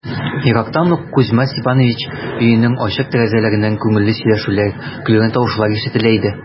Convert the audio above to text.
Ерактан ук Кузьма Степанович өенең ачык тәрәзәләреннән күңелле сөйләшүләр, көлгән тавышлар ишетелә иде.